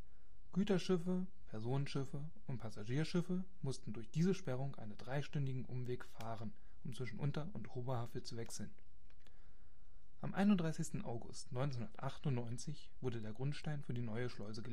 Güterschiffe, Personenschiffe und Passagierschiffe mussten durch diese Sperrung einen dreistündigen Umweg fahren, um zwischen Unter - und Oberhavel zu wechseln. Am 31. August 1998 wurde der Grundstein für die neue Schleuse gelegt